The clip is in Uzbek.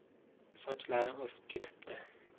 sochlaring o'sib ketibdi